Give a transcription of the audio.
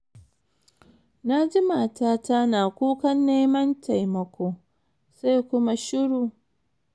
“Na ji matata na kukan neman taimako, sai kuma shiru.